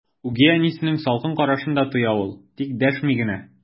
Үги әнисенең салкын карашын да тоя ул, тик дәшми генә.